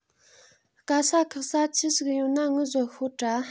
དཀའ ས ཁག ས ཆི ཟིག ཡོད ན ངུ བཟོ ཤོད དྲ